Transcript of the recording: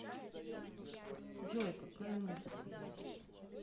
джой какая музыка есть